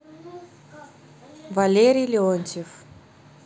валерий леонтьев